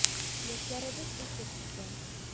Яшьләребез үсеп килә.